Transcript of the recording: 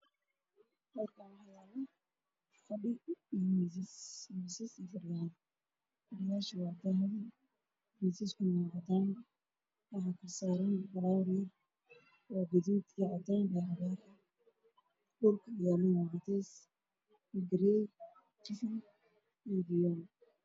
Halkaan waxaa yaalo fadhi iyo miisas, fadhiga waa dahabi, miisasku waa cadaan waxaa kor saaran falaawar gaduud, cadaan ah, dhulka uu yaalo waa cadeys iyo garee.